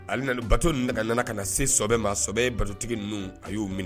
Ale na bato nɛgɛ nana ka na sebɛ maabɛtotigi ninnu a y'u minɛ